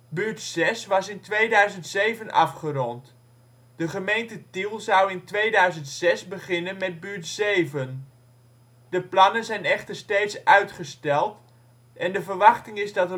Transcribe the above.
Buurt 6 was in 2007 afgerond. De gemeente Tiel zou in 2006 beginnen met buurt 7. De plannen zijn echter steeds uitgesteld en de verwachting is dat